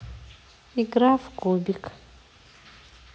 игра в кубик